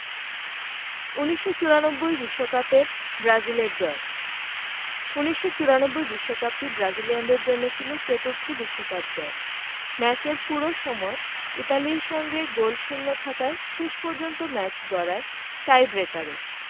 ১৯৯৪ বিশ্বকাপের ব্রাজিলের জয় ১৯৯৪ বিশ্বকাপটি ব্রাজিলিয়ানদের জন্য ছিল চতুর্থ বিশ্বকাপ জয় ম্যাচের পুরো সময় ইতালির সঙ্গে গোলশূন্য থাকায় শেষ পর্যন্ত ম্যাচ গড়ায় টাইব্রেকারে